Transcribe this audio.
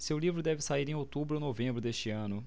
seu livro deve sair em outubro ou novembro deste ano